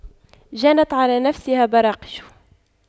جنت على نفسها براقش